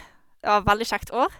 Det var veldig kjekt år.